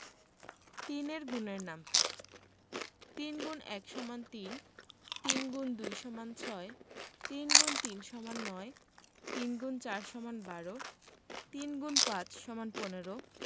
৩ এর গুণের নামতা ৩ X ১ = ৩ ৩ X ২ = ৬ ৩ × ৩ = ৯ ৩ X ৪ = ১২ ৩ X ৫ = ১৫